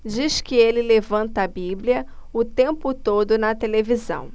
diz que ele levanta a bíblia o tempo todo na televisão